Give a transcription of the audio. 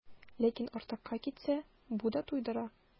Ләкин артыкка китсә, бу да туйдыра.